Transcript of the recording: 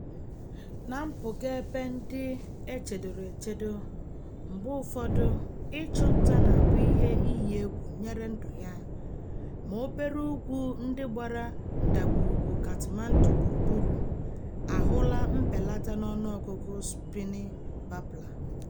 Na mpụga ebe ndị e chedoro echedo, mgbe ụfọdụ ịchụ nta na-abụ ihe iyi egwu nyere ndụ ya, ma obere ugwu ndị gbara Ndagwurugwu Kathmandu gburugburu ahụla mbelata n'ọnụọgụgụ Spiny Babbler.